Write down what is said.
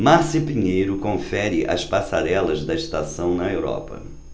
márcia pinheiro confere as passarelas da estação na europa